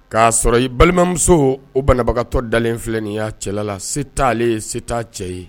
K'a sɔrɔ i balimamuso o banabagatɔ dalen filɛ nin y'a cɛla la se t'ale ye se t'a cɛ ye